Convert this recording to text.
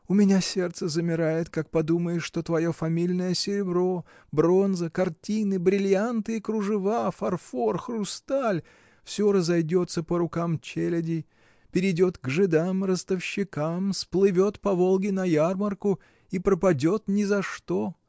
У меня сердце замирает, как подумаешь, что твое фамильное серебро, бронза, картины, бриллианты и кружева, фарфор, хрусталь — всё разойдется по рукам челяди, перейдет к жидам, ростовщикам, сплывет по Волге на ярмарку и пропадет ни за что!